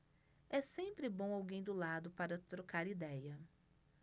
é sempre bom alguém do lado para trocar idéia